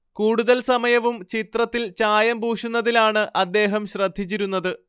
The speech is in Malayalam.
കൂടുതൽ സമയവും ചിത്രത്തിൽ ചായം പൂശുന്നതിലാണ് അദ്ദേഹം ശ്രദ്ധിച്ചിരുന്നത്